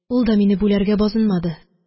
Ул да мине бүләргә базынмады